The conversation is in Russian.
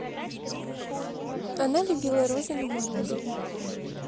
она любила розы на морозе